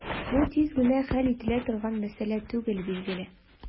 Бу тиз генә хәл ителә торган мәсьәлә түгел, билгеле.